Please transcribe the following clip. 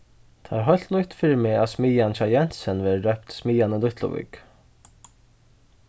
tað er heilt nýtt fyri meg at smiðjan hjá jensen verður rópt smiðjan í lítluvík